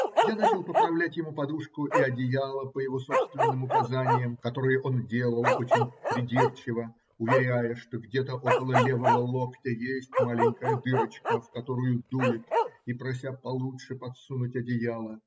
Я начал поправлять ему подушку и одеяло по его собственным указаниям, которые он делал очень придирчиво, уверяя, что где-то около левого локтя есть маленькая дырочка, в которую дует, и прося получше подсунуть одеяло.